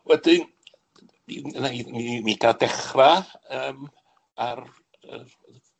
Wedyn, i'm wnâi m- mi ga'l dechra yym ar y y